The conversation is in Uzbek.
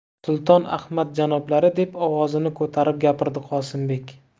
sulton ahmad janoblari deb ovozini ko'tarib gapirdi qosimbek